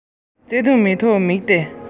ངའི སྒྲུང གཏམ འདིའི བརྗོད བྱ ནི